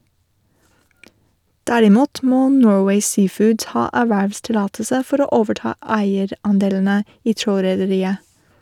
Derimot må Norway Seafoods ha ervervstillatelse for å overta eier-andelene i trålrederiet.